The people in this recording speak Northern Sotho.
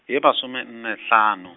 ye masomenne hlano.